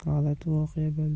g'alati voqea bo'ldi